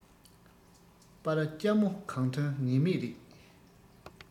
སྤ ར ལྕ མོ གང ཐོན ངེས མེད རེད